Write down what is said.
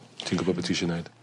ti'n gwbo be' t'isio neud?